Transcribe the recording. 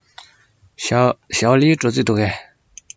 ཞའོ ལིའི འགྲོ རྩིས འདུག གས